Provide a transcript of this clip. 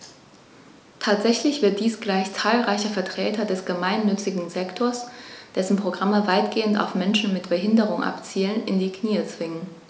Tatsächlich wird dies gleich zahlreiche Vertreter des gemeinnützigen Sektors - dessen Programme weitgehend auf Menschen mit Behinderung abzielen - in die Knie zwingen.